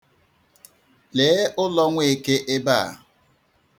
Lee ụlọ Nweeke ebe a.